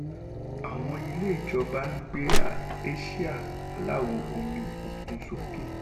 Àwọn ilé ìjọba ńgbé àsìá aláwọ omi òkun sókê.